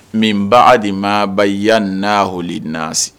Min ba demabayiya na h nasi